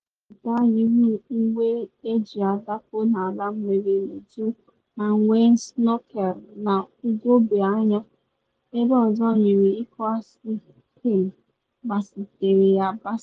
Otu mmepụta yiri uwe eji adakpu n’ala mmiri n’uju ma nwee snọkel na ugogbe anya, ebe ọzọ yiri iko aịs krim gbazere agbaze.